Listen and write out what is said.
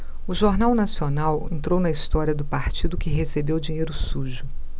o jornal nacional entrou na história do partido que recebeu dinheiro sujo